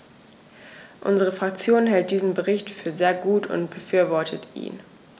Unsere Fraktion hält diesen Bericht für sehr gut und befürwortet ihn.